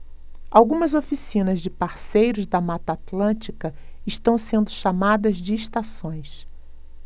algumas oficinas de parceiros da mata atlântica estão sendo chamadas de estações